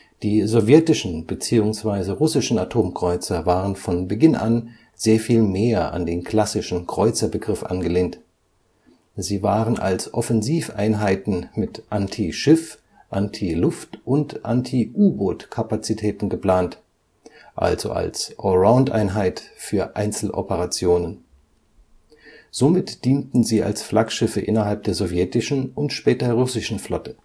Die sowjetischen bzw. russischen Atomkreuzer waren von Beginn an sehr viel mehr an den klassischen Kreuzer-Begriff angelehnt. Sie waren als Offensiv-Einheiten mit Anti-Schiff -, Anti-Luft - und Anti-U-Boot-Kapazitäten geplant, also als „ Allroundeinheit “für Einzeloperationen. Somit dienten sie als Flaggschiffe innerhalb der sowjetischen und später russischen Flotte